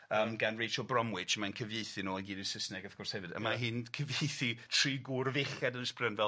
yym gan Rachel Bromwich mae'n cyfieithu nw i gyd yn Saesneg wrth gwrs hefyd a ma' hi'n cyfieithu tri gŵr feichiad Ynys Brydain fel